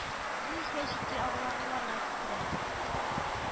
Бу исә җитди агулануларга китерә